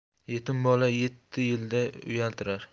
yetim bola yetti yilda uyaltirar